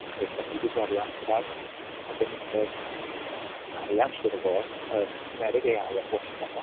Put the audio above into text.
Achos dach chi 'di gwario amser arbenigedd a arian siŵr o fod yn cymeryd AI a gwella fo.